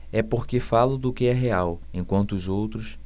é porque falo do que é real enquanto os outros